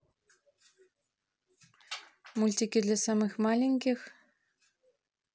мультики для самых маленьких